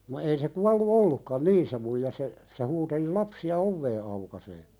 no ei se kuollut ollutkaan niin se muija se se huuteli lapsia ovea aukaisemaan